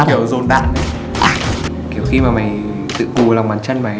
kiểu dồn đạn ý kiểu khi mà mày tự cù lòng bàn chân mày ý